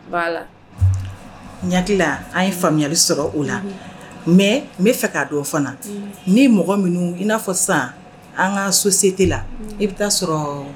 Voila , n hakili la an faamuya sɔrɔ o la, unhun, mais n bɛ fɛ k'a dɔn fana ni mɔgɔ minnu i n'a fɔ sisan an ka société la i bɛ taa sɔrɔ